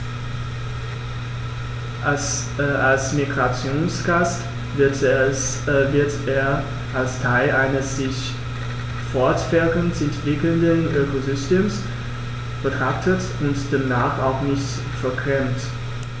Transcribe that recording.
Als Migrationsgast wird er als Teil eines sich fortwährend entwickelnden Ökosystems betrachtet und demnach auch nicht vergrämt.